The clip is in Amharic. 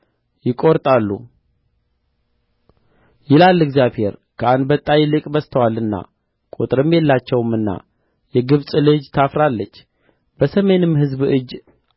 ይቈርጣሉ ይላል እግዚአብሔር ከአንበጣ ይልቅ በዝተዋልና ቍጥርም የላቸውምና የግብጽ ልጅ ታፍራለች በሰሜን ሕዝብ እጅ